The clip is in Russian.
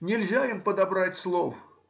Нельзя им подобрать слов